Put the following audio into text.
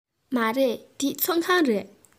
མ རེད འདི ཚོང ཁང རེད